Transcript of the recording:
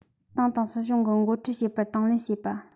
ཏང དང སྲིད གཞུང གི འགོ ཁྲིད བྱེད པར དང ལེན བྱེད པ